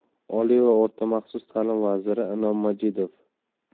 oliy va o'rta maxsus ta'lim vaziri inom majidov